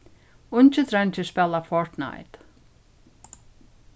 ungir dreingir spæla fortnite